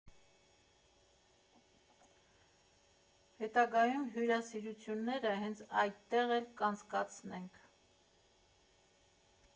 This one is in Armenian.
Հետագայում հյուրասիրությունները հենց այնտեղ էլ կանցկացնենք։